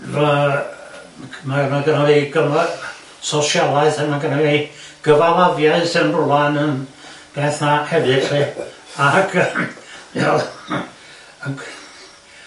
Fly- yy ma- ma' gynno fi gyf- yy sosialaeh, a ma' gynno fi gyfalafiaeth yn rwla yn hefyd 'lly, ac